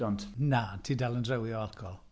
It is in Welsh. Ond… Na, ti dal yn drewi o alcohol.